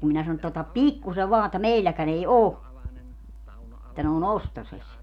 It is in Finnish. ja kun minä sanoin että ota pikkuisen vain että meilläkään ei ole että ne on ostoisessa